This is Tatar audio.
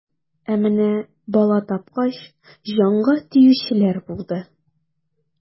Ә менә бала тапкач, җанга тиючеләр булды.